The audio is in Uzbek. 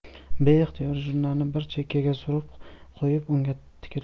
beixtiyor jurnalni bir chekkaga surib qo'yib unga tikilib qoldim